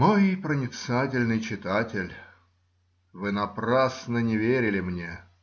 Мой проницательный читатель, вы напрасно не верили мне.